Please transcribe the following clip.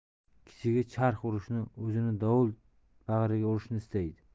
kichigi charx urishni o'zini dovul bag'riga urishni istaydi